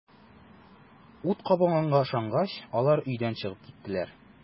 Ут кабынганга ышангач, алар өйдән чыгып киттеләр.